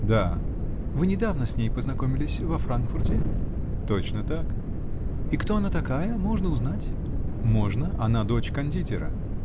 -- Да. -- Вы недавно с ней познакомились? Во Франкфурте? -- Точно так. -- И кто она такая? Можно узнать? -- Можно. Она дочь кондитера.